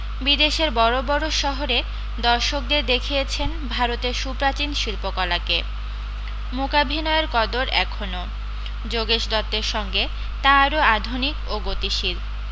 বিদেশের বড় বড় শহরে দর্শকদের দেখিয়েছেন ভারতের সুপ্রাচীন শিল্পকলাকে মূকাভিনয়ের কদর এখনও যোগেশ দত্তের সঙ্গে তা আরও আধুনিক ও গতিশীল